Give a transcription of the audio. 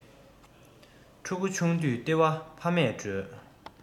ཕྲུ གུ ཆུང དུས ལྟེ བ ཕ མས སྒྲོལ